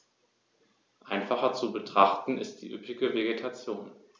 Einfacher zu betrachten ist die üppige Vegetation.